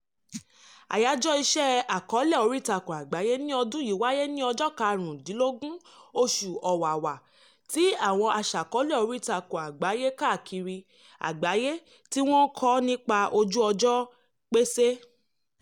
Àyájọ́ Ìṣe àkọọ́lẹ̀ oríìtakùn àgbáyé ní ọdún yìí wáyé ní ọjọ́ 15 oṣù Ọ̀wàwà, tí àwọn aṣàkọọ́lẹ̀ oríìtakùn àgbáyé káàkiri àgbáyé tí wọ́n ń kọ nípa ojú-ọjọ́ pésẹ̀.